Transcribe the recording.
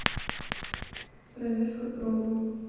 проверка промо